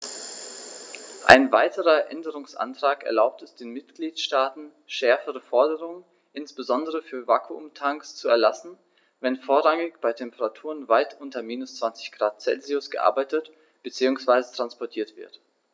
Ein weiterer Änderungsantrag erlaubt es den Mitgliedstaaten, schärfere Forderungen, insbesondere für Vakuumtanks, zu erlassen, wenn vorrangig bei Temperaturen weit unter minus 20º C gearbeitet bzw. transportiert wird.